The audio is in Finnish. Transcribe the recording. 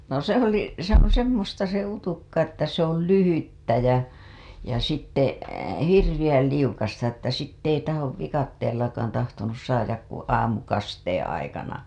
no se oli se on semmoista se utukka että se oli lyhyttä ja ja sitten hirveän liukasta että sitten ei tahdo viikatteellakaan tahtonut saada kuin aamukasteen aikana